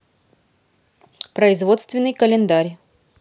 производственный календарь